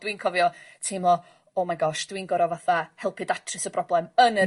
Dwi'n cofio teimlo oh my gosh dwi'n gor'o' fatha helpu datrys y broblem yn yr...